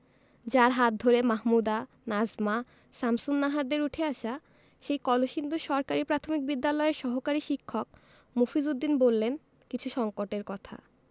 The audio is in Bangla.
যাঁর হাত ধরে মাহমুদা নাজমা শামসুন্নাহারদের উঠে আসা সেই কলসিন্দুর সরকারি প্রাথমিক বিদ্যালয়ের সহকারী শিক্ষক মফিজ উদ্দিন বললেন কিছু সংকটের কথা